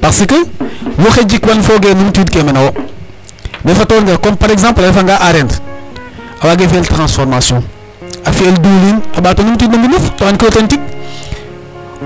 Parce que woxey jikwan foog e numtuwiidkee me na wo comme par exemple a refanga aareer a waaga fi'el transformation a fi'el diwliin a ɓaat o numtiwiid no mbindof to ankiro teen tig